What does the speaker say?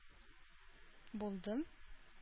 Булдым